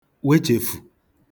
wechèfù